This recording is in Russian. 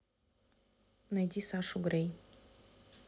найди сашу грей